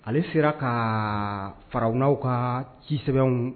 Ale sera ka farawuna ka ci sɛbɛnw